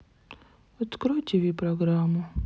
открой тв программу